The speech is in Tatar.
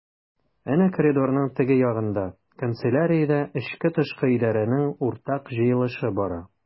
Әнә коридорның теге ягында— канцеляриядә эчке-тышкы идарәнең уртак җыелышы бара.